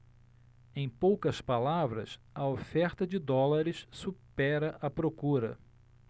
em poucas palavras a oferta de dólares supera a procura